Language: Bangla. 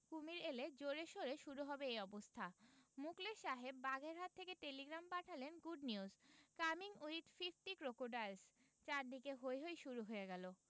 কুমীর এলে জোরে সোরে শুরু হবে এই অবস্থা মুখলেস সাহেব বাগেরহাট থেকে টেলিগ্রাম পাঠালেন good news. Coming with fifty crocodiles চারদিকে হৈ হৈ শুরু হয়ে গেল